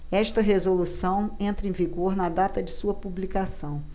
esta resolução entra em vigor na data de sua publicação